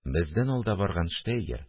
Бездән алда барган штейгер